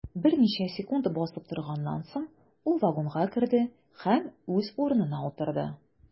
Берничә секунд басып торганнан соң, ул вагонга керде һәм үз урынына утырды.